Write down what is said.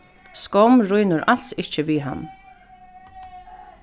skomm rínur als ikki við hann